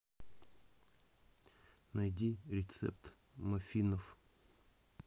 найди рецепт маффинов